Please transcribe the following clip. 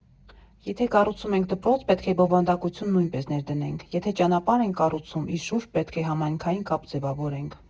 Եթե կառուցում ենք դպրոց, պետք է բովանդակություն նույնպես ներդնենք։ Եթե ճանապարհ ենք կառուցում, իր շուրջ պետք է համայնքային կապ ձևավորենք։